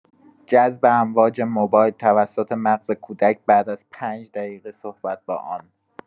جذب امواج موبایل توسط مغز کودک بعد از ۵ دقیقه صحبت با آن!